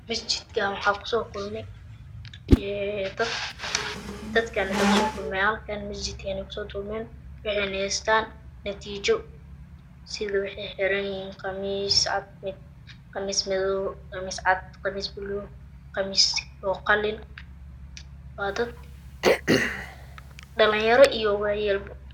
Masjidkan waxaa kuso kulmay dad dadkaanna waxeey kuso kulmen halkan masjid waxeena hestaan natiijo si waxee xiran yihiin qamiiso cad qamiso madow qamis baluug qamiis qalin dhalan yaro iyo wayeelbo